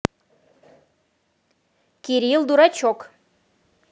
кирилл дурачек